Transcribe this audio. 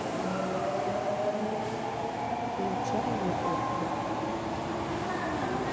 начало на окко